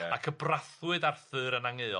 ac y brathwyd Arthur yn angheuol.